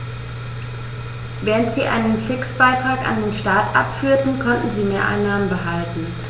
Während sie einen Fixbetrag an den Staat abführten, konnten sie Mehreinnahmen behalten.